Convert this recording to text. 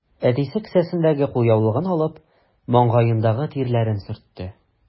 Әтисе, кесәсендәге кулъяулыгын алып, маңгаендагы тирләрен сөртте.